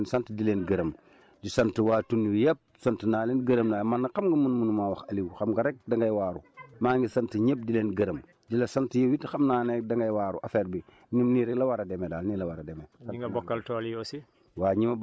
waaw bi bi waaw man itam maa ngi leen di sant di leen gërëm di sant waa tund wi yëpp sant naa leen gërëm naa leen man nag xam nga man munumaa wax Aliou xam nga rek dangay waaru maa ngi sant ñëpp di leen gërëm di la sant yow it xam naa ne dangay waaru affaire bi ñun nii rek la war a demee daal nii la war a demee